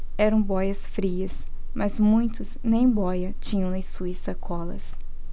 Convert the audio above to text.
eram bóias-frias mas muitos nem bóia tinham nas suas sacolas